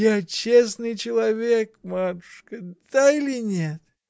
Я честный человек, матушка: да или нет?